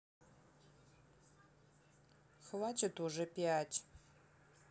хватит уже пять